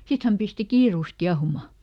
sitten hän pisti kiireesti kiehumaan